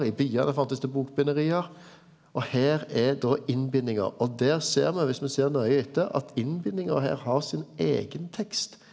i byane fanst det bokbinderi og her er då innbindingar og der ser me viss me ser nøye etter at innbindinga her har sin eigen tekst.